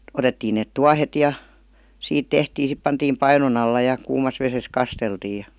otettiin ne tuohet ja siitä tehtiin sitten pantiin painon alla ja kuumassa vedessä kasteltiin ja